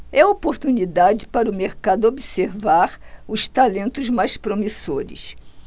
é a oportunidade para o mercado observar os talentos mais promissores